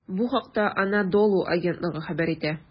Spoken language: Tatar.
Бу хакта "Анадолу" агентлыгы хәбәр итә.